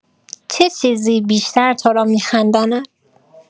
چه چیزی بیشتر تو را می‌خنداند؟